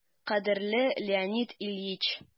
«кадерле леонид ильич!»